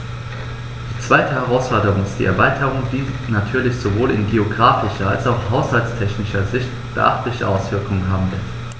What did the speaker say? Die zweite Herausforderung ist die Erweiterung, die natürlich sowohl in geographischer als auch haushaltstechnischer Sicht beachtliche Auswirkungen haben wird.